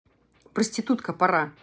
проститутка пора